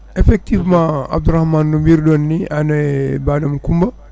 effectivement Abdourahmane no mbiru ɗonni an e baaɗam Coumba